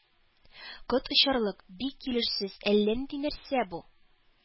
Кот очарлык, бик килешсез, әллә нинди нәрсә бу!